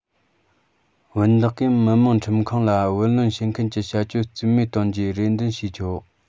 བུན བདག གིས མི དམངས ཁྲིམས ཁང ལ བུ ལོན ལེན མཁན གྱི བྱ སྤྱོད རྩིས མེད གཏོང རྒྱུའི རེ འདུན ཞུས ཆོག